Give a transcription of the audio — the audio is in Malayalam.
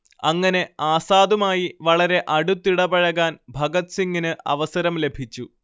അങ്ങനെ ആസാദുമായി വളരെ അടുത്തിടപഴകാൻ ഭഗത് സിംഗിന് അവസരം ലഭിച്ചു